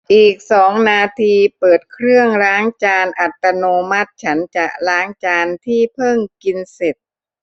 อีกสองนาทีเปิดเครื่องล้างจานอัตโนมัติฉันจะล้างจานที่เพิ่งกินเสร็จ